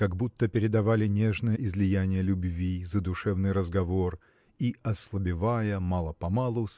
как будто передавали нежное излияние любви задушевный разговор и ослабевая мало-помалу